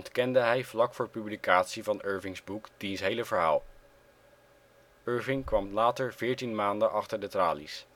hij vlak voor publicatie van Irvings boek diens hele verhaal. Irving kwam later veertien maanden achter de tralies